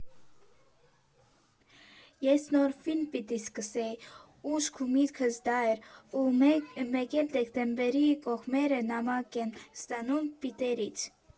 Ես նոր ֆիլմ պիտի սկսեի՝ ուշք ու միտքս դա էր, ու մեկ էլ դեկտեմբերի կողմերը նամակ եմ ստանում Պիտերից.